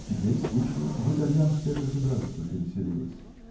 теперь, слышно, в итальянское государство переселилась.